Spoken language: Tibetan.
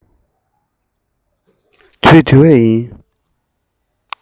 སྐབས དེར